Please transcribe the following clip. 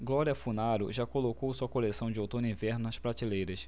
glória funaro já colocou sua coleção de outono-inverno nas prateleiras